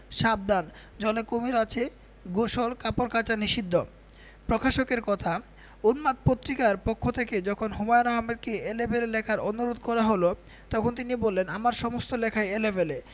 সাবধান জলে কুমীর আছে গোসল কাপড় কাচা নিষিদ্ধ প্রকাশকের কথা উন্মাদ পত্রিকার পক্ষথেকে যখন হুমায়ন আহমেদকে 'এলেবেলে লেখার অনুরোধে করা হল তখন তিনি বললেন আমার সমস্ত লেখাই এলেবেলে